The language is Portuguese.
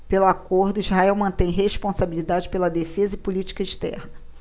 pelo acordo israel mantém responsabilidade pela defesa e política externa